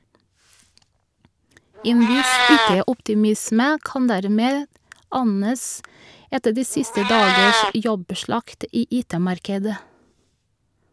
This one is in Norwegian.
En viss IT-optimisme kan dermed anes, etter de siste dagers jobbslakt i IT-markedet.